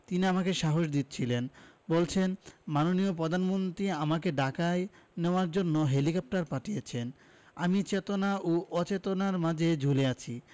তিনি আমাকে সাহস দিচ্ছিলেন বলছেন মাননীয় প্রধানমন্ত্রী আমাকে ঢাকায় নেওয়ার জন্য হেলিকপ্টার পাঠিয়েছেন আমি চেতনা এবং অচেতনার মাঝে ঝুলে আছি